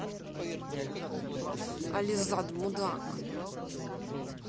alizade мудак